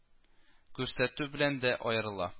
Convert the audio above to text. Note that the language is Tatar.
Күрсәтү белән дә аерыла